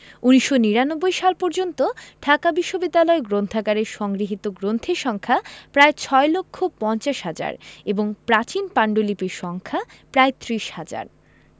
১৯৯৯ সাল পর্যন্ত ঢাকা বিশ্ববিদ্যালয় গ্রন্থাগারে সংগৃহীত গ্রন্থের সংখ্যা প্রায় ৬ লক্ষ ৫০ হাজার এবং প্রাচীন পান্ডুলিপির সংখ্যা প্রায় ত্রিশ হাজার